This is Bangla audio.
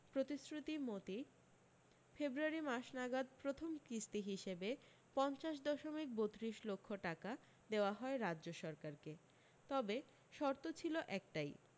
প্রতিশ্রুতি মতি ফেব্রুয়ারি মাস নাগাদ প্রথম কিস্তি হিসেবে পঞ্চাশ দশমিক বত্রিশ লক্ষ টাকা দেওয়া হয় রাজ্য সরকারকে তবে শর্ত ছিল একটাই